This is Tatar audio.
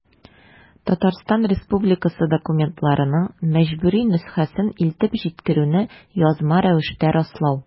Татарстан Республикасы документларының мәҗбүри нөсхәсен илтеп җиткерүне язма рәвештә раслау.